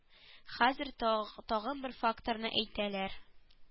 Хәзер таг тагын бер факторны әйтәләр